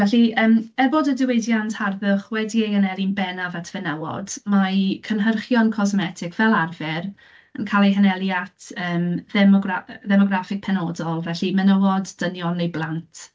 Felly, yym, er bod y diwydiant harddwch wedi ei anelu'n bennaf at fenywod, mae cynhyrchion cosmetig fel arfer yn cael eu hanelu at yym ddemogra- ddemograffig penodol, felly menywod, dynion neu blant.